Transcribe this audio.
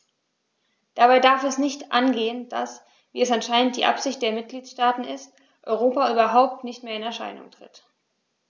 Dabei darf es nicht angehen, dass - wie es anscheinend die Absicht der Mitgliedsstaaten ist - Europa überhaupt nicht mehr in Erscheinung tritt.